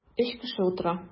Өч кеше утыра.